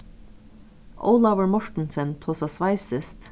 ólavur mortensen tosar sveisiskt